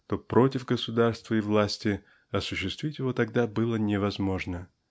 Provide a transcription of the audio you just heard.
то против государства и власти осуществить его тогда было невозможно.